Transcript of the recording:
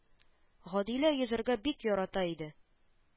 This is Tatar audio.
Гадилә йөзәргә бик ярата иде